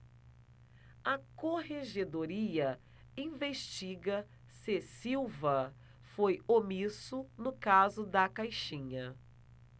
a corregedoria investiga se silva foi omisso no caso da caixinha